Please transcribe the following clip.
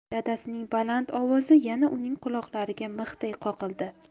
dadasining baland ovozi yana uning quloqlariga mixday qoqildi